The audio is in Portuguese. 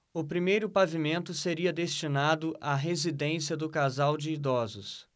o primeiro pavimento seria destinado à residência do casal de idosos